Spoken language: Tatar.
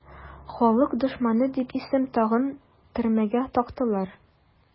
"халык дошманы" дип исем тагып төрмәгә тыктылар.